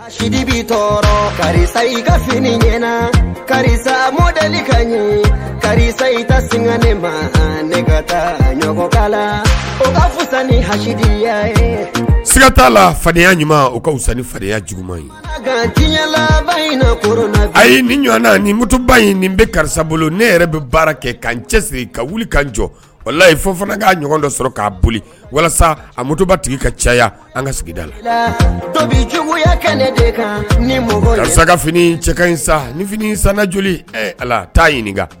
Di karisa i ka fini ɲɛna karisa mɔd ka karisa i sin kaiga t' la faya ɲuman u kasan faya jugu in la a ye nin ɲɔgɔn na ni mutuba in nin bɛ karisa bolo ne yɛrɛ bɛ baara kɛ ka cɛ siri ka wuli ka jɔ wala la ye fɔ fana'a ɲɔgɔn dɔ sɔrɔ k'a boli walasa a mutuba tigi ka caya an ka sigida labi saga sanga joli a t'a ɲininka